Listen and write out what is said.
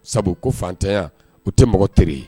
Sabu ko fantanya o tɛ mɔgɔ terire ye